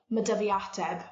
my' 'dy fi ateb